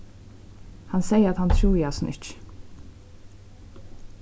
hann segði at hann trúði hasum ikki